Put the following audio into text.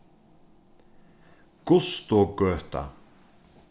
gustugøta